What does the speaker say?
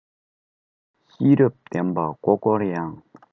ཤེས རབ ལྡན པ མགོ བསྐོར ཡང